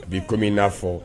Bi komi min naa fɔ